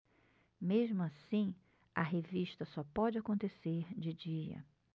mesmo assim a revista só pode acontecer de dia